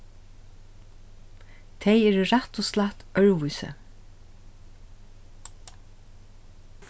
tey eru rætt og slætt øðrvísi